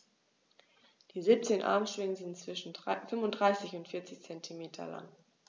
Die 17 Armschwingen sind zwischen 35 und 40 cm lang.